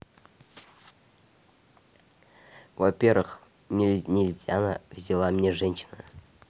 во первых нельзяна взяла мне женщина